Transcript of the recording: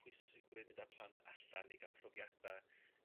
pwysigrwydd mynd â plant allan i ga'l profiada'